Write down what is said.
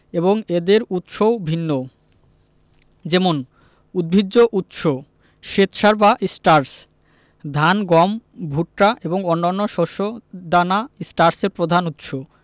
এবং এদের উৎস ও ভিন্ন যেমন উদ্ভিজ্জ উৎস শ্বেতসার বা স্টার্চ ধান গম ভুট্টা এবং অন্যান্য শস্য দানা স্টার্চের প্রধান উৎস